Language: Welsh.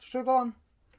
tisio troi golau on?